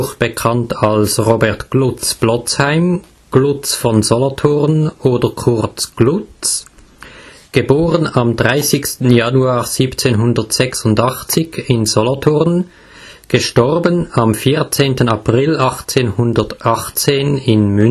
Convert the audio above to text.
bekannt als Robert Glutz-Blotzheim, Glutz von Solothurn oder kurz Glutz, (* 30. Januar 1786 in Solothurn; † 14. April 1818 in München